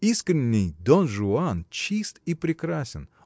Искренний Дон Жуан чист и прекрасен